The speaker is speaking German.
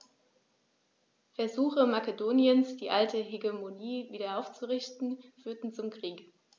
Versuche Makedoniens, die alte Hegemonie wieder aufzurichten, führten zum Krieg.